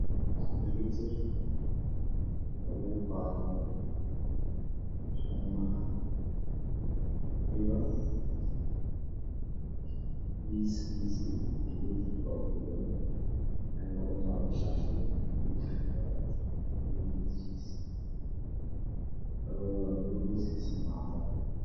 Computer ka lagu baaro xanuunaha iyo miiska computerka in laga daawado shaashadda computer ka waayo miiska waa madow midabkiisana waa cadaan